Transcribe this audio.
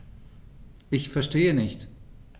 Ich verstehe nicht.